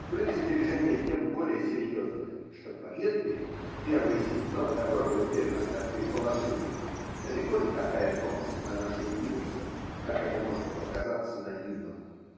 Предостережение тем более серьезное, что поветрие, первые симптомы которого теперь нас так переполошили, далеко не такая новость на нашей улице, как это может показаться наивному.